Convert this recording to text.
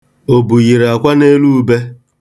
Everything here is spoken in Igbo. Obu yiri akwa n'elu ube.